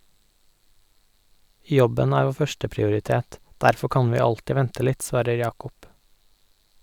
Jobben er vår første prioritet; derfor kan vi alltid vente litt, svarer Yaqub.